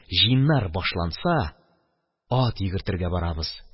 Җыеннар башланса, ат йөгертергә барабыз.